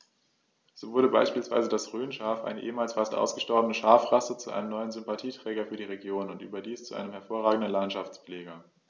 So wurde beispielsweise das Rhönschaf, eine ehemals fast ausgestorbene Schafrasse, zu einem neuen Sympathieträger für die Region – und überdies zu einem hervorragenden Landschaftspfleger.